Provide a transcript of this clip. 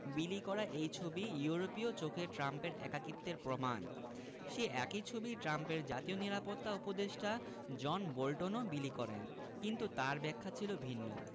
বিলি করা এই ছবি ইউরোপীয়দের চোখে ট্রাম্পের একাকিত্বের প্রমাণ সেই একই ছবি ট্রাম্পের জাতীয় নিরাপত্তা উপদেষ্টা জন বোল্টনও বিলি করেন কিন্তু তাঁর ব্যাখ্যা ছিল ভিন্ন